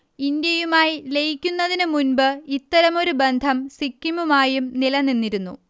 ഇന്ത്യയുമായി ലയിക്കുന്നതിനു മുൻപ് ഇത്തരമൊരു ബന്ധം സിക്കിമുമായും നിലനിന്നിരുന്നു